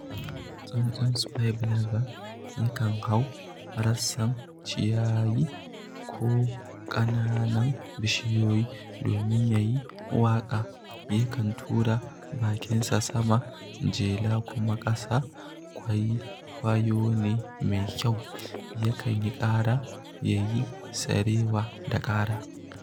Tsuntsun Spiny Babbler yakan hau rassan ciyayi ko ƙananan bishiyoyi domin ya yi waƙa, yakan tura bakinsa sama jela kuma ƙasa, kwaikwayo ne mai kyau, yakan yi ƙara, ya yi sarewa da ƙara.